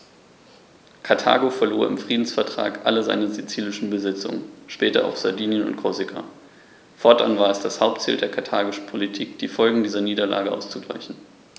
Karthago verlor im Friedensvertrag alle seine sizilischen Besitzungen (später auch Sardinien und Korsika); fortan war es das Hauptziel der karthagischen Politik, die Folgen dieser Niederlage auszugleichen.